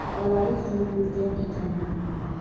bolalik qilib yurgan ekanman